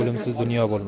o'limsiz dunyo bo'lmas